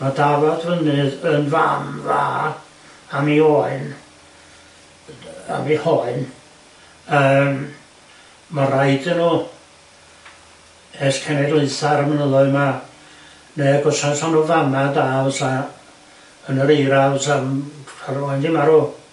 Ma' dafad fynydd yn fam dda am ei oen yy am ei hoen yym ma' raid i n'w e's cenedlaehau'r mynyddoedd 'ma neu gosa 'sa n'w'n fama' da fysa...yn yr eira... fysa n'w 'sa'r oed 'di marw.